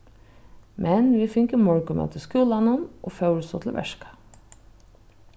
men vit fingu morgunmat í skúlanum og fóru so til verka